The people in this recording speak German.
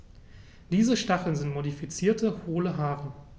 Diese Stacheln sind modifizierte, hohle Haare.